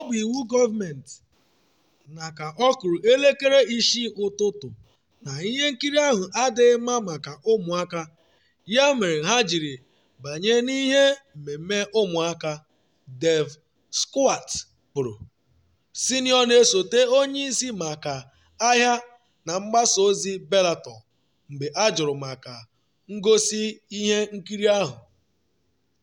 “Ọ bụ iwu gọọmentị na ka ọ kụrụ elekere 6 ụtụtụ na ihe nkiri ahụ adịghị mma maka ụmụaka, ya mere ha jiri banye n’ihe mmemme ụmụaka,” Dave Schwartz kwuru, senịọ na-esote onye isi maka ahịa na mgbasa ozi Bellator, mgbe ajụrụ maka ngosi ihe nkiri ahụ.